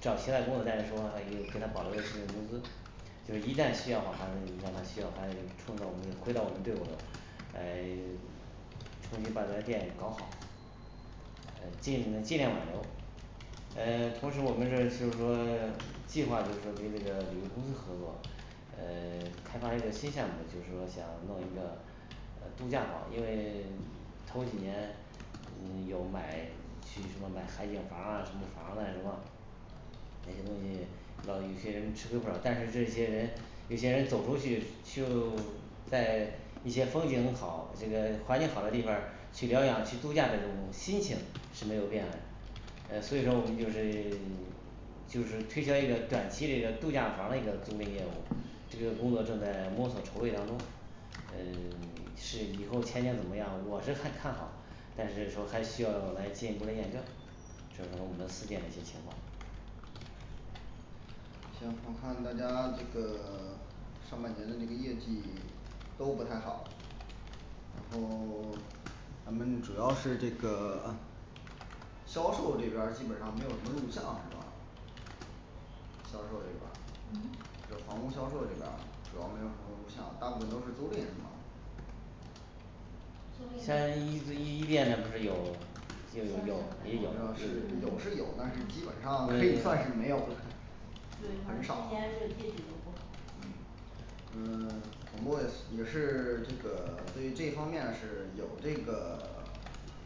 找其他的工作但是说，还有给他保留了基本工资，就是一旦需要话他让他需要他充到我们回到我们队伍中来 重新把咱店里搞好呃尽尽量挽留。呃同时我们这就是说 计划就是说跟这个旅游公司合作，呃 开发一个新项目，就是说想弄一个呃度假房，因为 头几年嗯有买去什么买海景房儿啊什么房儿嘞是吧这些东西让有些人吃亏不少，但是这些人有些人走出去，就 在一些风景好这个环境好的地方儿去疗养去度假的这种心情是没有变嘞。呃所以说我们就是 就是推销一个短期的这个度假房儿的一个租赁业务，这个工作正在摸索筹备当中，嗯 是以后前景怎么样，我是很看好但是说还需要来进一步的验证这是我们四店的一些情况行，我看大家这个 上半年的这个业绩 都不太好，然后 咱们主要是这个 呃销售这边儿基本上没有什么入项是吧销售这边儿嗯这个房屋销售这边儿主要没有什么入项大部分都是租赁是吗租赁他要的一不是一 店的不是有 就就有有的也有就那个嗯有是吧是有是有但是基嗯本上可以算是没有了对反很正这个少今年这个业绩都不好嗯呃 总部也是 这个 对于这方面是有这个